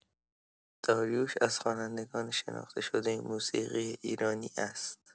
داریوش از خوانندگان شناخته‌شده موسیقی ایرانی است.